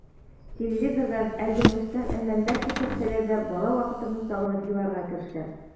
Телевизордан «Әлдермештән Әлмәндәр» күрсәтсәләр дә бала вакытымны сагынып еларга керешәм.